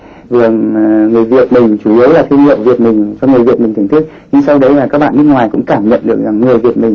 thường là người việt mình chủ yếu là thương hiệu việt mình cho người việt mình thưởng thức nhưng sau đấy là các bạn nước ngoài cũng cảm nhận được rằng người việt mình